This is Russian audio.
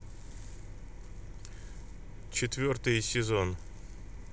четвертый сезон